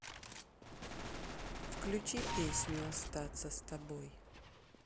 включи песню остаться с тобой